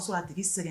A sɛgɛn